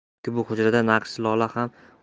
chunki bu hujrada naqshi lola